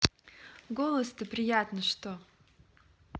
голос то приятно что